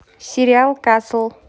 сериал касл